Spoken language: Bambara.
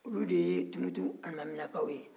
olu de ye tumutu alimaminakaw ye